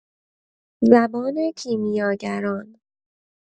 زبان کیمیاگران